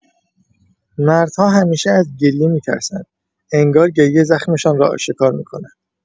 مردها همیشه از گریه می‌ترسند، انگار گریه زخمشان را آشکار می‌کند.